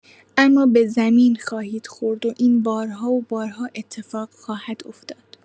اما به زمین خواهید خورد و این بارها و بارها اتفاق خواهد افتاد.